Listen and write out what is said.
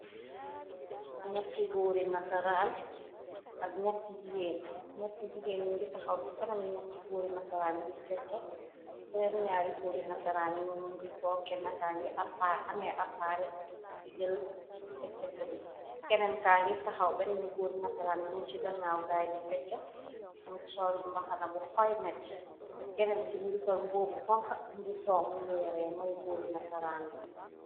Natti goor ri ak nattijigeen ñatti jigeen ngi taxaw ci kanami ñatti góori nasaraan yi di fecca eneen góori nasaraan yiñu ngi too kenn kaamee appaare di jël feccaka di keneen ka ngi taxaw bennmi góuri nasaraan bi mun ci gannaaw gaay di fecca mu ngi sol mbaxana bu xoymet keneen ki ni ngisol boobu kongo mungi tog mogiyree mooy góuri nasaraan bi.